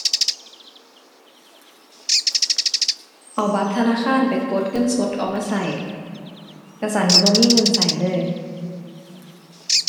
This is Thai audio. เอาบัตรธนาคารไปกดเงินสดออกมาใช้ จั่งซั้นใช้บ่มีเงินใช้เลย